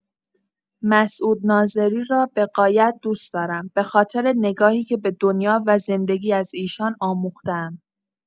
مسعود ناظری را به غایت دوست دارم، به‌خاطر نگاهی که به دنیا و زندگی از ایشان آموخته‌ام.